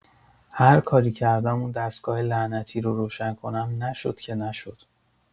هر کاری کردم اون دستگاه لعنتی رو روشن کنم، نشد که نشد!